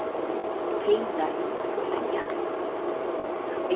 keng daryo tasvirlangan